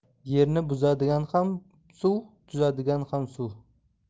yerni buzadigan ham suv tuzadigan ham suv